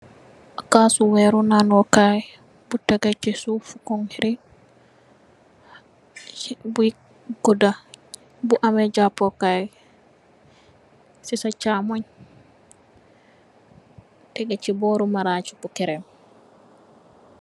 Kasi werr bu nako kai bu tege ci suf fi concrete mu guda teh am japoyai sisa chamun tekge si bore marach bu cerem.